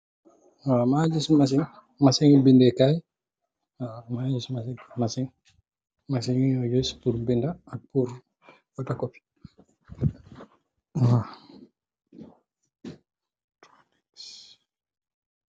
Maa ngi gis, masin, masin i,bindee kaay. Waaw, maa ngi gis masin, masin bi ñuy yuus pur binda ak photo ko. Waaw.